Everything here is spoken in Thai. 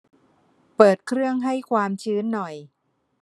เปิดเครื่องให้ความชื้นหน่อย